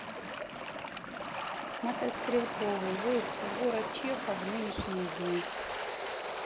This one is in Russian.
мотострелковый войска город чехов в нынешние дни